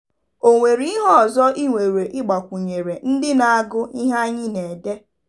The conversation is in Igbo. O nwere ihe ọzọ ị nwere ịgbakwunyere ndị na-agụ ihe anyị na-ede?